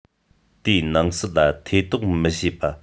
དེའི ནང སྲིད ལ ཐེ གཏོགས མི བྱེད པ